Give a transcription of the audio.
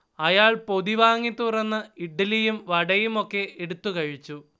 അയാൾ പൊതി വാങ്ങി തുറന്ന് ഇഡ്ഢലിയും വടയുമൊക്കെ എടുത്തുകഴിച്ചു